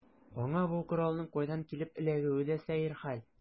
Аңа бу коралның кайдан килеп эләгүе дә сәер хәл.